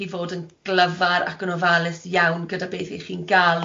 yn glyfar ac yn ofalus iawn gyda beth y' chi'n galw'r